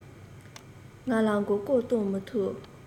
ང ལ མགོ སྐོར གཏོང མི ཐུབ